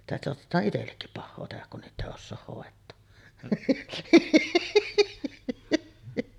sitä saatetaan itsellekin pahaa tehdä kun niitä ei osaa hoitaa